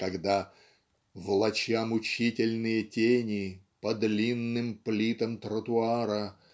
когда Влача мучительные тени По длинным плитам тротуара